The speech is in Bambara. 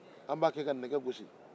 an b'a kɛ ka nɛgɛ gosi